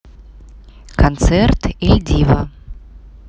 концерт il divo